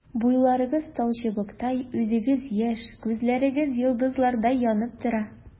Буйларыгыз талчыбыктай, үзегез яшь, күзләрегез йолдызлардай янып тора.